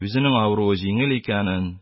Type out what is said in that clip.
Үзенең авыруы җиңел икәнен,